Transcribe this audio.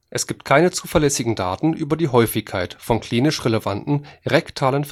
Es gibt keine zuverlässigen Daten über die Häufigkeit von klinisch relevanten rektalen